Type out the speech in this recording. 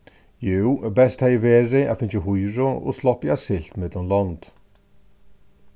jú best hevði verið at fingið hýru og sloppið at siglt millum lond